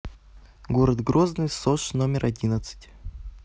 город грозный сош номер одиннадцать